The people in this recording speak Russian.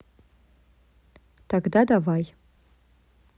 тогда давай